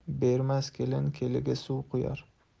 bermas kelin keliga suv quyar